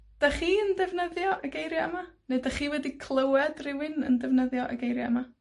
'Dach chi'n defnyddio y geiria' yma, neu 'dych chi wedi clywad rywun yn defnyddio y geiria' yma?